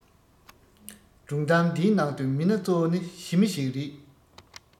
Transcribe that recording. སྒྲུང གཏམ འདིའི ནང དུ མི སྣ གཙོ བོ ནི ཞི མི ཞིག རེད